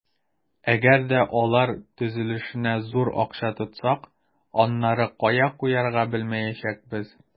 Әгәр дә алар төзелешенә зур акча тотсак, аннары кая куярга белмәячәкбез.